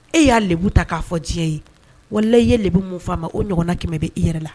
E y'a deb ta k'a fɔ diɲɛ ye wala ye de bɛ min faa ma o ɲɔgɔnna kɛmɛ bɛ i yɛrɛ la